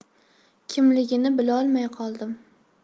kimligini bilolmay qoldim